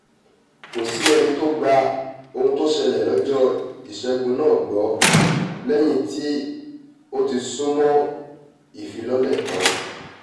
Kòsí ẹni t́i ó̀ gba ohun tó ́ṣẹlẹ̀ lọ́jọ́ Ìṣẹ́gun naa gbọ́, lẹyìn ti oti súnmọ́ ìfilọ́lẹ̀ taǹ.